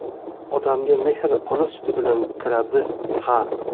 odamga mehr ona suti bilan kiradi ha